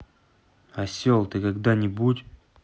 осел ты когда нибудь